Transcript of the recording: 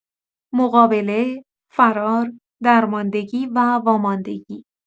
مقابله، فرار، درماندگی، و واماندگی